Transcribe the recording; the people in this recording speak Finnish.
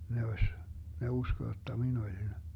ne olisi ne uskoi jotta minä olin